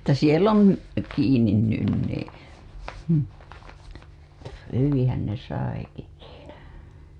että siellä on kiinni nyt niin - hyvinhän ne saikin siinä